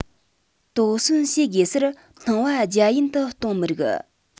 དོགས ཟོན བྱེད དགོས སར སྣང བ རྒྱ ཡན དུ གཏོང མི རིགས